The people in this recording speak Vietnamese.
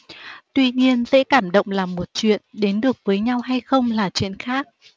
tuy nhiên dễ cảm động là một chuyện đến được với nhau hay không là chuyện khác